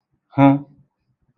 hụ